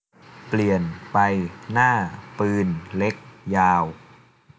เปลี่ยนไปหน้าปืนเล็กยาว